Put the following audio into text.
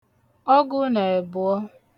ọgụ na èbụ̀ọ